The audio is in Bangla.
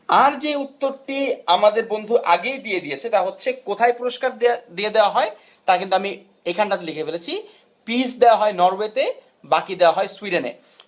আর যে উত্তরটি আমাদের বন্ধু আগেই দিয়ে দিয়েছে তা হচ্ছে কোথায় পুরস্কার দিয়ে দেয়া হয় তা কিন্তু আমি এখান টাতে লিখে ফেলেছি পিস দেয়া হয় নরওয়ে তে বাকি দেয়া হয় সুইডেনে